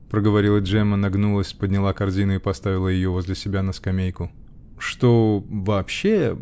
-- проговорила Джемма, нагнулась, подняла корзину и поставила ее возле себя на скамейку. -- Что. вообще.